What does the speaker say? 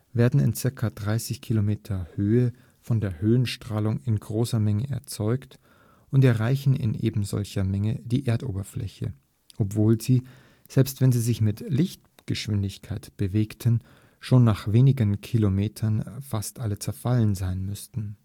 werden in ca. 30 km Höhe von der Höhenstrahlung in großer Menge erzeugt und erreichen in ebensolcher Menge die Erdoberfläche, obwohl sie - selbst wenn sie sich mit Lichtgeschwindigkeit bewegten - schon nach wenigen Kilometern fast alle zerfallen sein müssten